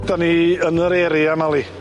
'Dan ni yn yr area malu.